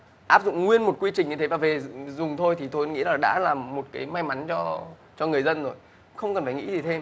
áp dụng nguyên một quy trình như thế về dùng thôi thì tôi nghĩ là đã làm một cái may mắn cho cho người dân người không cần phải nghĩ gì thêm